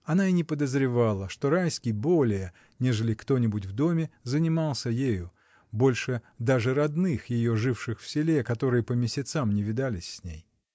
Она и не подозревала, что Райский более, нежели кто-нибудь в доме, занимался ею, больше даже родных ее, живших в селе, которые по месяцам не видались с ней.